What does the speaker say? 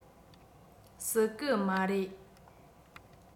སྲིད གི མ རེད